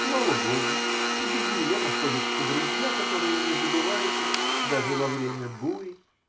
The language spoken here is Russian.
Слава богу, и без нее находятся друзья, которые не забывают нас даже во время бури.